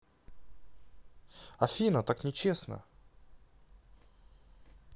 афина так не честно